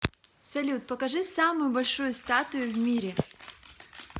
салют покажи самую большую статую в мире